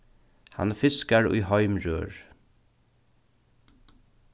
hann fiskar ið heim rør